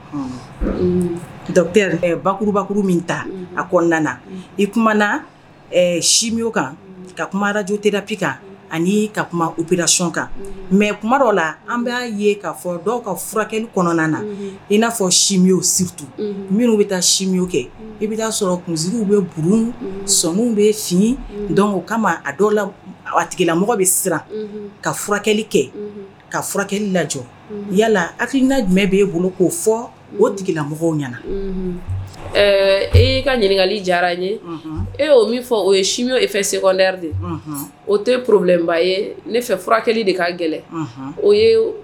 Baba i ka kumaj kan kan mɛ la an'a ia fɔ minnu bɛ taa kɛ ia sɔrɔw bɛw bɛ o kama tigilamɔgɔ bɛ siran ka furakɛli kɛ ka furakɛ la yalala a i ka jum bɛ' bolo k'o fɔ o tigilamɔgɔ ɲɛna ɛɛ e ka ɲininkakali diyara n ye e' min fɔ o ye si fɛ se de o te poroba ye ne fɛ furakɛli de' gɛlɛn